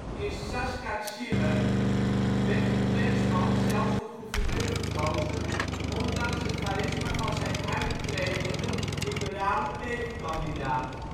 In Saskatchewan werd een Klansman zelfs tot gouverneur verkozen ondanks het charisma van zijn uittredende liberale tegenkandidaat